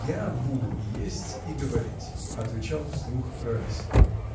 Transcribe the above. — Я буду и есть, и говорить, — отвечал вслух Райский.